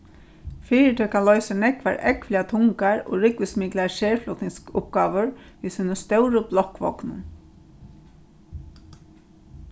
fyritøkan loysir nógvar ógvuliga tungar og rúgvusmiklar serflutningsuppgávur við sínum stóru blokkvognum